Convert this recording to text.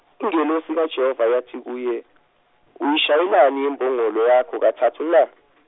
ingelosi kaJehova yathi kuye, Uyishayeleni imbongolo yakho kathathu na ?